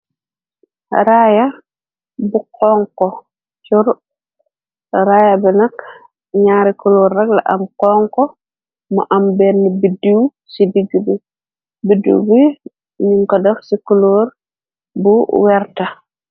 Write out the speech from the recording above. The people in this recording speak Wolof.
Raaya bu honko chor, raaya bi nak ñaari kuloor rekk la am honko mu am benn biddiw ci digg bi. Biddiw bi nung ko def ci kuloor bu vert.